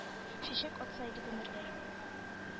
Чәчәк атса иде гомерләр.